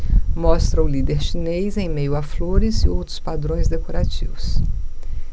mostra o líder chinês em meio a flores e outros padrões decorativos